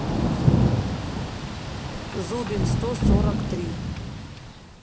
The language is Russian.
зубин сто сорок три